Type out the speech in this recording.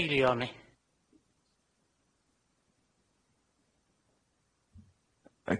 Eilioni.